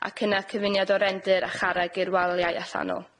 ac yna cyfuniad o rendyr a charreg i'r waliau allanol.